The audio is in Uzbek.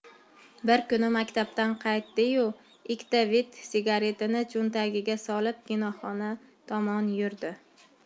bir kuni maktabdan qaytdi yu ikkita vt sigaretini cho'ntagiga solib kinoxona tomon yurdi